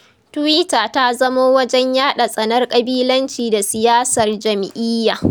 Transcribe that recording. Tuwita ta zamo wajen yaɗa tsanar ƙabilanci da siyasar jam'iyya.